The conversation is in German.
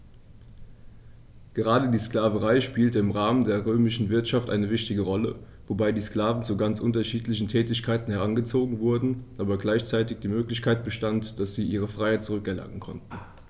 Gerade die Sklaverei spielte im Rahmen der römischen Wirtschaft eine wichtige Rolle, wobei die Sklaven zu ganz unterschiedlichen Tätigkeiten herangezogen wurden, aber gleichzeitig die Möglichkeit bestand, dass sie ihre Freiheit zurück erlangen konnten.